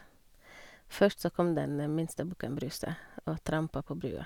Først så kom den minste bukken Bruse og trampa på brua.